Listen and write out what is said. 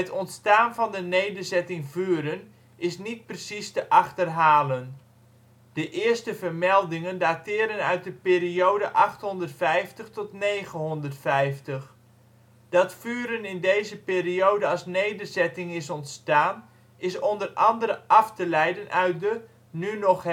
ontstaan van de nederzetting Vuren is niet precies te achterhalen. De eerste vermeldingen dateren uit de periode 850 tot 950. Dat Vuren in deze periode als nederzetting is ontstaan is onder andere af te leiden uit de, nu nog herkenbare